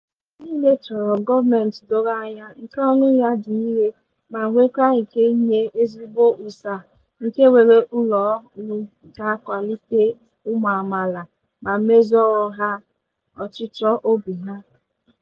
Anyị niile chọrọ gọọmenti doro anya, nke ọrụ ya dị irè ma nwekwa ike inye ezigbo ụ́sà - nke nwere ụlọ ọrụ ga-akwalite ụmụ amaala ma mezuoro ha ọchịchọ obi ha.